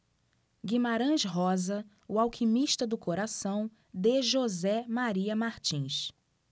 guimarães rosa o alquimista do coração de josé maria martins